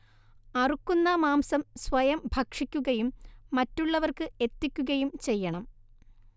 അറുക്കുന്ന മാംസം സ്വയം ഭക്ഷിക്കുകയും മറ്റുള്ളവർക്ക് എത്തിക്കുകയും ചെയ്യണം